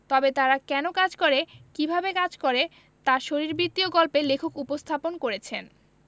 তবে তারা কেন কাজ করে কিভাবে কাজ করে তা শরীরবৃত্তীয় গল্পে লেখক উপস্থাপন করেছেন